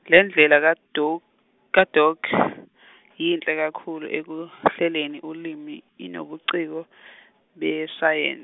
lendlela kaDo- kaDoke yinhle kakhulu ekuhleleni ulimi inobuciko , besayen-.